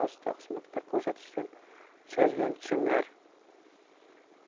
asosida xizmatlar ko'rsatishdan tushadigan tushumlar